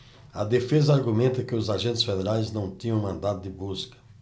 a defesa argumenta que os agentes federais não tinham mandado de busca